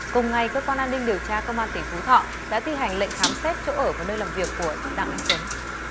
cùng ngày cơ quan an ninh điều tra công an tỉnh phú thọ đã thi hành lệnh khám xét chỗ ở và nơi làm việc của đặng anh tuấn